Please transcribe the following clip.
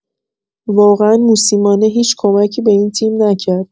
واقعا موسیمانه هیچ کمکی به این تیم نکرد.